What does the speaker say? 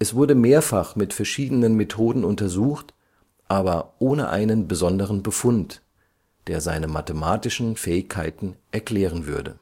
wurde mehrfach mit verschiedenen Methoden untersucht, aber ohne einen besonderen Befund, der seine mathematischen Fähigkeiten erklären würde